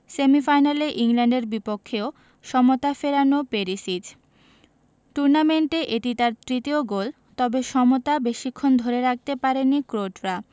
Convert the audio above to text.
সেমিফাইনালে ইংল্যান্ডের বিপক্ষেও সমতা ফেরানো পেরিসিচ টুর্নামেন্টে এটি তার তৃতীয় গোল তবে সমতা বেশিক্ষণ ধরে রাখতে পারেনি ক্রোটরা